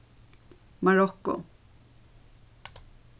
marokko